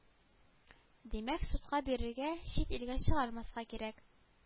Димәк судка бирергә чит илгә чыгармаска кирәк